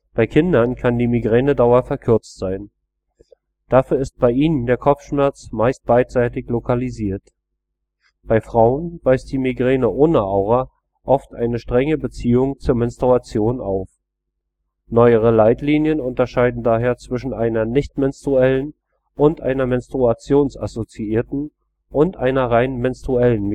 Bei Kindern kann die Migränedauer verkürzt sein. Dafür ist bei ihnen der Kopfschmerz meist beidseitig lokalisiert. Bei Frauen weist die Migräne ohne Aura oft eine strenge Beziehung zur Menstruation auf. Neuere Leitlinien unterscheiden daher zwischen einer nicht-menstruellen, einer menstruationsassoziierten und einer rein menstruellen